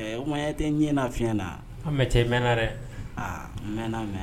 Kumaya tɛ ɲɛ na fi fiɲɛ na an mɛ cɛ mɛnna dɛ aa n mɛnnaa mɛn